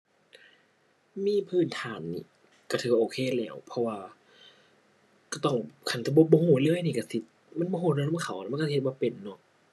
มีพื้นฐานนี่ก็ถือว่าโอเคแล้ว เพราะว่า ก็ต้องคันแต่บ่ บ่ก็เลยนี่ก็สิ มันบ่ก็เรื่องนำเขาละมันก็สิเฮ็ดบ่เป็นเนาะ